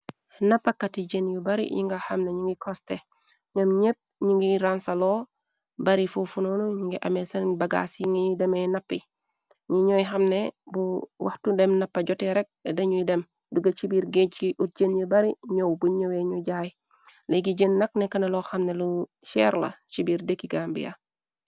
Nappakat yi jën yu bari yi nga xamne ñu ngi koste ñoom ñépp ñi ngi ransalo bari fuu funoonu ñngi amee seen bagaas yi ngiy demee nappi ñi ñooy xamne bu waxtu dem nappa jote rekk dañuy dem duga ci biir géej ci ut jën yi bari ñëow bu ñëwee ñu jaay ligi jën naq ne këna lo xamne lu cheerla ci biir dëkki gambia.